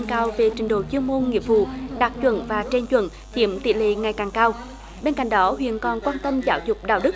cao về trình độ chuyên môn nghiệp vụ đạt chuẩn và trên chuẩn chiếm tỷ lệ ngày càng cao bên cạnh đó huyện còn quan tâm giáo dục đạo đức